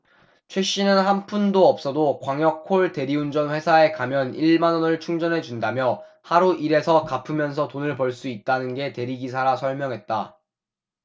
최씨는 한 푼도 없어도 광역콜 대리운전 회사에 가면 일 만원을 충전해준다며 하루 일해서 갚으면서 돈을 벌 수 있는 게 대리기사라 설명했다